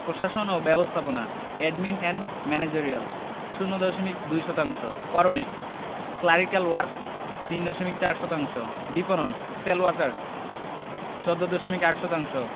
প্রশাসন ও ব্যবস্থাপনা এডমিন এন্ড ম্যানেজেরিয়াল ০ দশমিক ২ শতাংশ করণিক ক্ল্যারিক্যাল ওয়ার্ক্স ৩ দশমিক ৪ শতাংশ বিপণন সেলস ওয়ার্ক্স ১৪দশমিক ৮ শতাংশ